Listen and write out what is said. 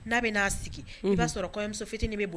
N'a bɛ n'a sigi. Unhun. I b'a sɔrɔ kɔɲɔmuso fitinin bɛ bɔ. Unhun